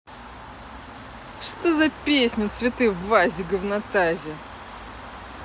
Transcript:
что за песня цветы в вазе говнотазе